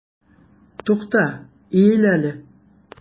Тукта, иел әле!